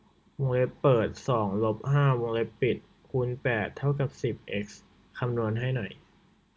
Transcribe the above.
วงเล็บเปิดสองลบห้าวงเล็บปิดคูณแปดเท่ากับสิบเอ็กซ์คำนวณให้หน่อย